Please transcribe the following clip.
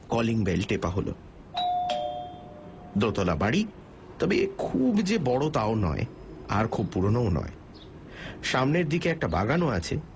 calling bell টেপা হল দোতলা বাড়ি তবে খুব যে বড় তাও নয় আর খুব পুরনোও নয় সামনের দিকে একটা বাগানও আছে